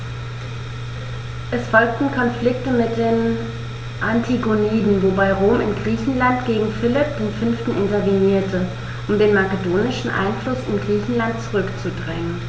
Es folgten Konflikte mit den Antigoniden, wobei Rom in Griechenland gegen Philipp V. intervenierte, um den makedonischen Einfluss in Griechenland zurückzudrängen.